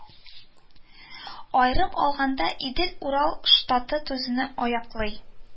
Аерым алганда идел-урал штаты төзүне яклый